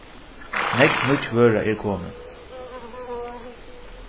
nógv nýggj vøra er komin